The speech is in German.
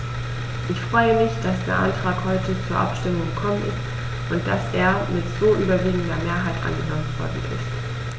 Ich freue mich, dass der Antrag heute zur Abstimmung gekommen ist und dass er mit so überwiegender Mehrheit angenommen worden ist.